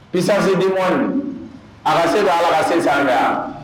Bisasen ni mɔni a bɛ se don ala se saraya